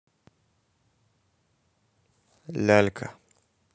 лялька